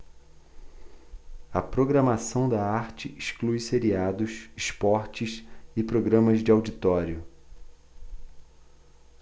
a programação da arte exclui seriados esportes e programas de auditório